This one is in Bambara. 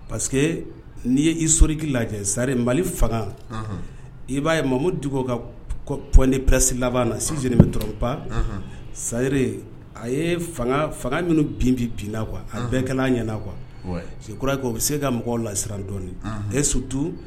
Parce que n'i ye i sɔririki lajɛ sari mali fanga i b'a ye mamadu dugu ka p ni presi laban na si bɛ tɔrɔba sarire a ye fanga minnu binpi bin la qu a bɛɛ kɛ ɲɛna qu sikura u bɛ se ka mɔgɔw la sirandɔ e ye sutu